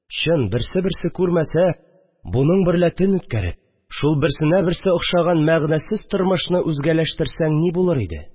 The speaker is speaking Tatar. Чын, берсе-берсе күрмәсә, моның берлә төн үткәреп, шул берсенә берсе охшаган мәгънәсез тормышны үзгәләштерсәң ни булыр иде